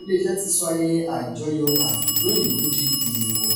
Ilé-iṣẹ́ ti sọ ayẹyẹ àjọyọ̀ àjọ̀dún Òyìnbó di èèwọ̀.